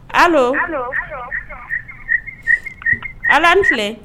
Ala ala filɛ